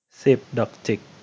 สิบดอกจิก